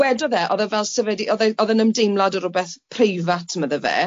wedodd e o'dd e fel 'sa fe o'dd e'n ymdeimlad o rwbeth preifat medda fe.